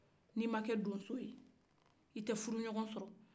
ni i ma kɛ donso ye i tɛ furu ɲɔgɔn sɔrɔ